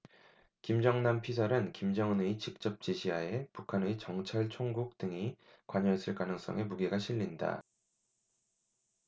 김정남 피살은 김정은의 직접 지시 하에 북한의 정찰총국 등이 관여했을 가능성에 무게가 실린다